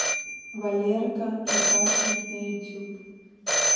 валерка и паша на ютюб